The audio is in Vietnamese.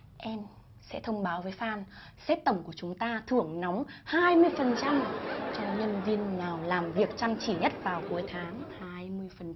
em sẽ thông báo với sếp tổng của chúng ta thưởng nóng phần trăm cho nhân viên nào làm việc chăm chỉ nhất vào cuối tháng phần trăm lương